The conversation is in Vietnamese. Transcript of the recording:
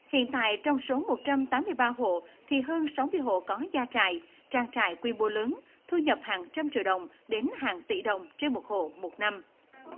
hiện tại trong số một trăm tám mươi ba hộ thì hơn sáu mươi hộ có gia trại trang trại quy mô lớn thu nhập hàng trăm triệu đồng đến hàng tỷ đồng trên một hộ một năm